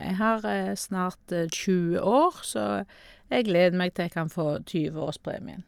Jeg har snart tjue år, så jeg gleder meg til jeg kan få tjueårspremien.